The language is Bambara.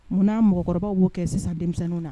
Muna mɔgɔkɔrɔbaw bɛ o kɛ sisan denmisɛnnin na?